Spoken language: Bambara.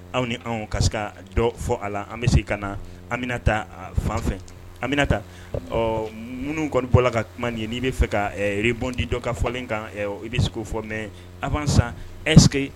Aw ni anw ka se ka dɔ fɔ a la, an bɛ segin ka na Aminata fan fɛ, Aminata ɔ minnu kɔni bɔra ka kuma nin n'i bɛ fɛ ka rebondir dɔ ka fɔlen kan i bɛ se k'o fɔ mais avant tout ça